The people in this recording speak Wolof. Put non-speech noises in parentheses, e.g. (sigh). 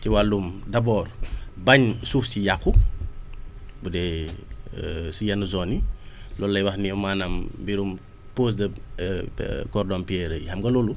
ci wàllum d' abord bañ suuf si yàqu bu dee (hesitation) si yenn zones yi (breath) loolu la ñuy wax ne maanaam mbirum pause de (hesitation) cordon pierreux yi xam nga loolu